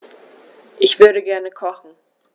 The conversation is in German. Ich würde gerne kochen.